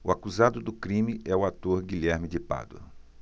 o acusado do crime é o ator guilherme de pádua